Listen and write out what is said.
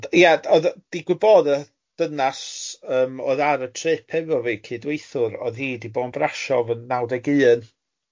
Ond ia odd yy digwydd bod y dynas yym oedd ar y trip hefo fi cydweithwyr oedd hi di bod yn Brasov yn naw deg un.